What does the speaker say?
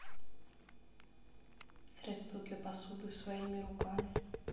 средство для посуды своими руками